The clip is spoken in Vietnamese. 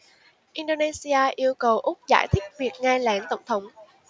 indonesia yêu cầu úc giải thích việc nghe lén tổng thống